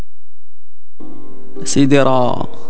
سيدرا